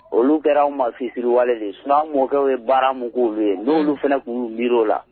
Olu kɛra anw ma fitiriwale de ye sinon_ anw mɔkɛw ye baara min k'olu ye n'olu fana tun y'u miiri o la